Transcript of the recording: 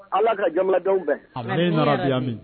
Ala ka jamanadenw bɛɛ na diyami